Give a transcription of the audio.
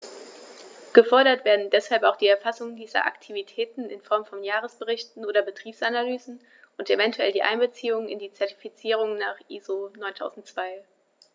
Gefordert werden deshalb auch die Erfassung dieser Aktivitäten in Form von Jahresberichten oder Betriebsanalysen und eventuell die Einbeziehung in die Zertifizierung nach ISO 9002.